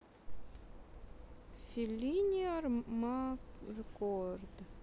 феллини амаркорд